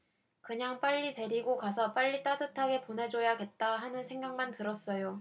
그냥 빨리 데리고 가서 빨리 따뜻하게 보내줘야겠다 하는 생각만 들었어요